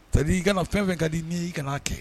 ç'a dire i ka na , fɛn o fɛn ka di i nin ye i kan'a kɛ